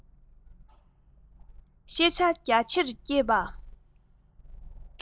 ཤེས བྱ རྒྱ ཆེར བསྐྱེད པར